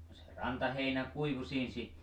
no se rantaheinä kuivui siinä sitten